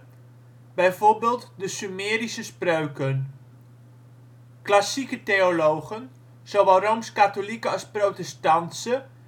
de Sumerische spreuken. Klassieke theologen, zowel rooms-Katholieke als protestantse